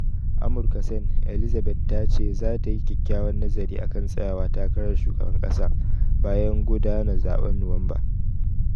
Amurka Sen. Elizaberth ta ce za ta yi "kyakkyawan nazari akan Tsayawa takarar Shugaban kasa” bayan gudana zaben Nuwamba.